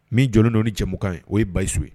Min jɔn don ni cɛkan ye o ye basisu ye